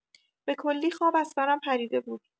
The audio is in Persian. به کلی خواب از سرم پریده بود.